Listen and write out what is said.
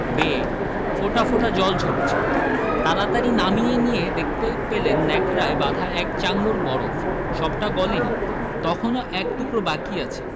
বেয়ে ফোঁটা ফোঁটা জল ঝরছে তাড়াতাড়ি নামিয়ে নিয়ে দেখতে পেলেন ন্যাকড়ায় বাঁধা এক চাঙড় বরফ সবটা গলেনি তখনও এক টুকরো বাকি আছে